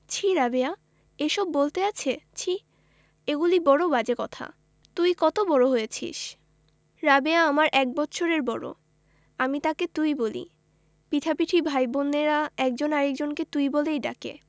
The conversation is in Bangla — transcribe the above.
ছিঃ রাবেয়া এসব বলতে আছে ছিঃ এগুলি বড় বাজে কথা তুই কত বড় হয়েছিস রাবেয়া আমার এক বৎসরের বড় আমি তাকে তুই বলি পিঠাপিঠি ভাই বোনের একজন আরেক জনকে তুই বলেই ডাকে